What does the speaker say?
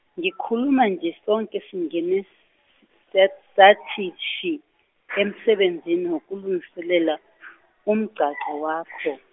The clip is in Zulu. ngikhuluma nje sonke singene set- sathi shi emsebenzini no wokulungiselela umgcagco wakho.